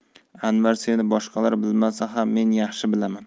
anvar seni boshqalar bilmasa ham men yaxshi bilaman